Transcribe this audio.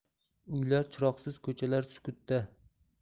uylar chiroqsiz ko'chalar sukutda